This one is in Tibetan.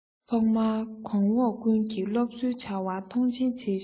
ཐོག མར གོང འོག ཀུན གྱིས སློབ གསོའི བྱ བར མཐོང ཆེན བྱས ཤིང